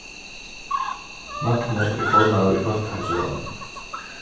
magni er formaður í fólkaheilsuráðnum